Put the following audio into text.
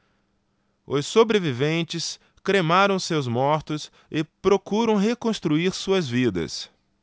os sobreviventes cremaram seus mortos e procuram reconstruir suas vidas